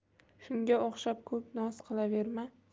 shunga o'xshab ko'p noz qilaverma